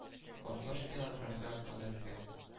Алтмыш килограммга кадәрге